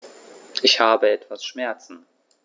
Ich habe etwas Schmerzen.